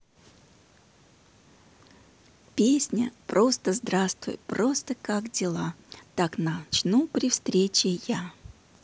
песня просто здравствуй просто как дела так начну при встрече я